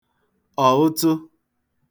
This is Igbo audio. ọ̀ụtụ